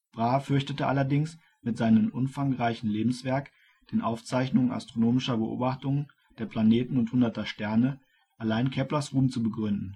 Brahe fürchtete allerdings, mit seinem umfangreichen Lebenswerk, den Aufzeichnungen astronomischer Beobachtungen der Planeten und Hunderter Sterne, allein Keplers Ruhm zu begründen